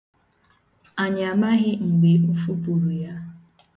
Anyị amaghị mgbe o fopụrụ ya.